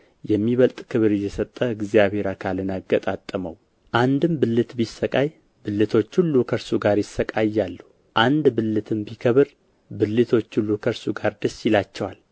የሚበልጥ ክብር እየሰጠ እግዚአብሔር አካልን አገጣጠመው አንድም ብልት ቢሣቀይ ብልቶች ሁሉ ከእርሱ ጋር ይሣቀያሉ አንድ ብልትም ቢከበር ብልቶች ሁሉ ከእርሱ ጋር ደስ ይላቸዋል